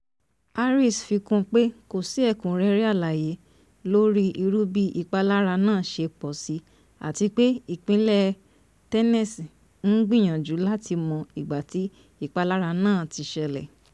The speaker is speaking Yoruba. Harris fi kún pé kò sí ẹ̀kúnrẹ́rẹ àlàyé lórí irú/bí ìpalara náà ṣe pọ̀ sí” àtipé Ìpínlẹ̀ Tennessee ń gbìyànjú láti mọ ìgbàtí ìpalara náà ti ṣẹlẹ̀.